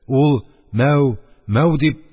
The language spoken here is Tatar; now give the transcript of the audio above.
Ул, «мәү, мәү!» дип,